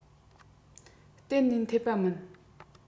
གཏན ནས འཐད པ མིན